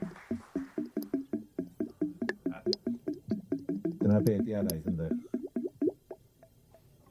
Dyna be' 'di araith yndych?